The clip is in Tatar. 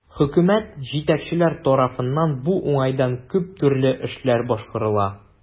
Хөкүмәт, җитәкчеләр тарафыннан бу уңайдан күп төрле эшләр башкарыла.